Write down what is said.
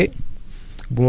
ñëw sotti ko ci kaw